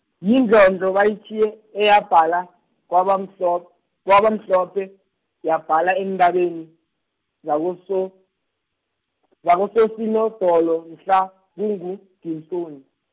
yindlondlo bayitjhiye, eyabhala, kwabamhlo-, kwabamhlophe, yabhala eentabeni, zakoso-, zakosoSinodolo, mhlakunguJimsoni.